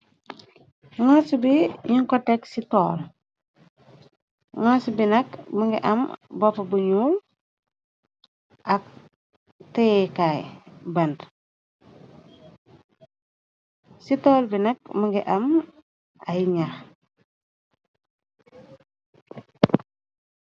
Ngarsu bi ñu ko teg ci tool ngas bi nak mënga am bopp bu nuul ak tekaay bant ci tool bi nak mënga am ay ñaax.